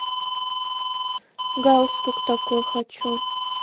галстук такой хочу